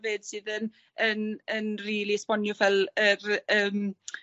...'fyd sydd yn yn yn rili esbonio ffel yr yym